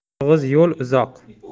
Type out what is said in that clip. yolg'izga yo'l uzoq